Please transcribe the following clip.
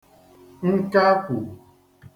nkakwù